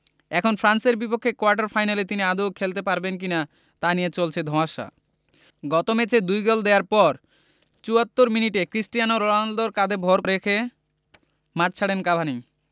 এখন ফ্রান্সের বিপক্ষে কোয়ার্টার ফাইনালে তিনি আদৌ খেলতে পারবেন কি না তা নিয়ে চলছে ধোঁয়াশা গত ম্যাচে দুই গোল দেওয়ার পর ৭৪ মিনিটে ক্রিস্টিয়ানো রোনালদোর কাঁধে ভর রেখে মাঠ ছাড়েন কাভানি